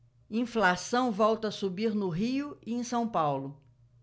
inflação volta a subir no rio e em são paulo